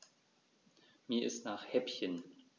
Mir ist nach Häppchen.